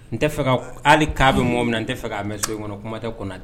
N tɛ fɛ ka hali k'a bɛ mɔgɔ min na n tɛ fɛ ka' mɛn so in kɔnɔ kuma tɛ kɔnɔ dɛ